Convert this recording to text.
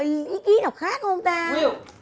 còn ý kiến nào khác không ta